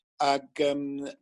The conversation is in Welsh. Ag yym